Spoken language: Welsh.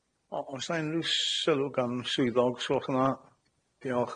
O- o's 'na unryw sylw gan y swyddog, os gwelwch yn dda? Diolch.